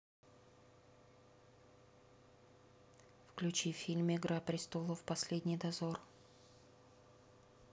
включи фильм игра престолов последний дозор